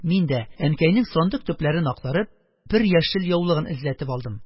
Мин дә, әнкәйнең сандык төпләрен актарып, бер яшел яулыгын эзләтеп алдым.